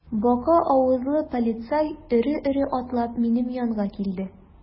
Бака авызлы полицай эре-эре атлап минем янга килде.